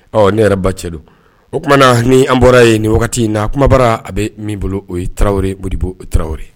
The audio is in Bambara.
Ɔ ne yɛrɛ ba cɛ don o tumaumana an bɔra yen nin wagati in na kumabara a bɛ min bolo o tarawele taraweleori